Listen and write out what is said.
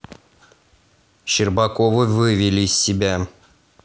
щербакова вывели из себя